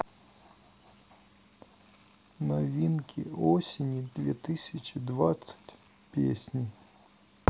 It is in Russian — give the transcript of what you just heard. новинки осени две тысячи двадцать песни